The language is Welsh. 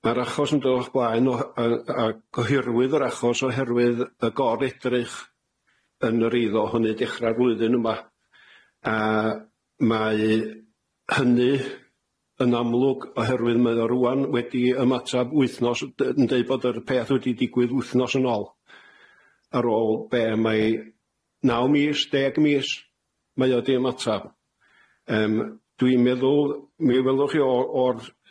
Ma'r achos yn dod o'ch blaen o hy- yy a gohirwyd yr achos oherwydd y gor-edrych yn yr eiddo hynny dechra'r flwyddyn yma a mae hynny yn amlwg oherwydd mae o rŵan wedi ymatab wythnos d- yn deud bod yr peth wedi digwydd wythnos yn ôl ar ôl be' mae naw mis, deg mis, mae o 'di ymatab yym dwi'n meddwl mi welwch chi o o'r